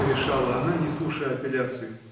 — решала она, не слушая апелляции.